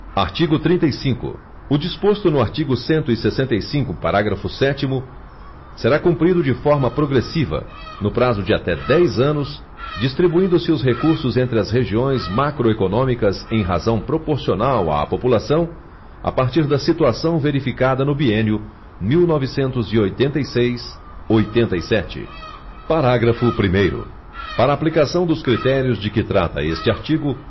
artigo trinta e cinco o disposto no artigo cento e sessenta e cinco parágrafo sétimo será cumprido de forma progressiva no prazo de até dez anos distribuindo se os recursos entre as regiões macroeconômicas em razão proporcional à população a partir da situação verificada no biênio mil novecentos e oitenta e seis oitenta e sete parágrafo primeiro para aplicação dos critérios de que trata este artigo